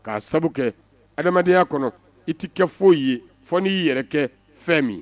K'a sababu kɛ adamadenyaya kɔnɔ i t tɛ kɛ foyi' ye fɔ n y'i yɛrɛ kɛ fɛn min